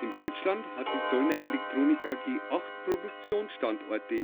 Deutschland hat die Zollner Elektronik AG acht Produktionsstandorte